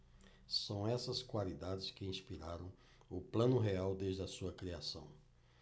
são essas qualidades que inspiraram o plano real desde a sua criação